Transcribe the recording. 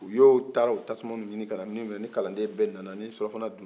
u y'o taara o tasumaw ɲini kana ni kalanden bɛɛ nana ni surafana dunna